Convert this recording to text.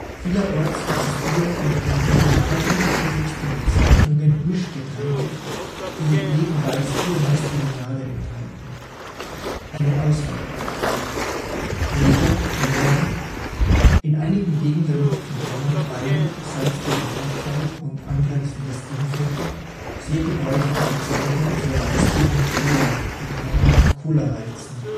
Vielerorts existieren unter den regional unterschiedlichsten Bezeichnungen Mischgetränke, die neben Weißbier meist Limonade enthalten. Eine Auswahl: Neger, Mohren – in einigen Gegenden (Bayern, Salzburger Flachgau und angrenzendes Innviertel) sehr gebräuchliche Bezeichnung für Weißbier mit Cola (Colaweizen